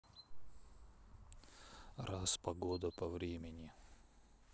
раз погода по времени